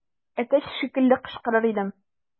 Әтәч шикелле кычкырыр идем.